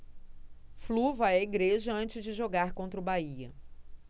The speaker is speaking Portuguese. flu vai à igreja antes de jogar contra o bahia